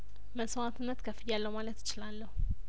መስዋእትነት ከፍያለሁ ማለት እችላለሁ